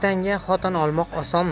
tanga xotin olmoq osonmi